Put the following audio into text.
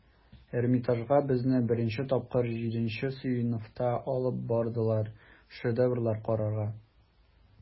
Эрмитажга безне беренче тапкыр җиденче сыйныфта алып бардылар, шедеврлар карарга.